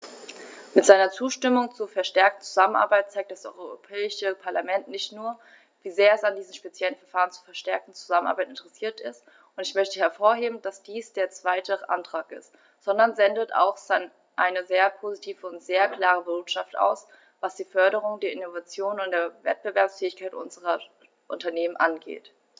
Mit seiner Zustimmung zur verstärkten Zusammenarbeit zeigt das Europäische Parlament nicht nur, wie sehr es an diesem speziellen Verfahren zur verstärkten Zusammenarbeit interessiert ist - und ich möchte hervorheben, dass dies der zweite Antrag ist -, sondern sendet auch eine sehr positive und sehr klare Botschaft aus, was die Förderung der Innovation und der Wettbewerbsfähigkeit unserer Unternehmen angeht.